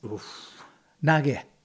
Wff... Nage.